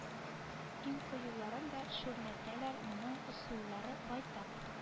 Иң кыюларын да шүрләтәләр моның ысуллары байтак